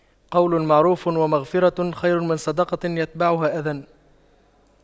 قَولٌ مَّعرُوفٌ وَمَغفِرَةُ خَيرٌ مِّن صَدَقَةٍ يَتبَعُهَا أَذًى